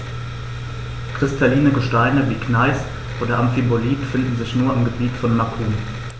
Kristalline Gesteine wie Gneis oder Amphibolit finden sich nur im Gebiet von Macun.